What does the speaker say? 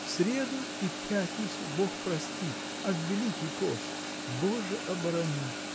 В среду и пятницу – бог простит; а в великий пост – боже оборони!